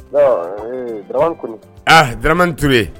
A d tunbi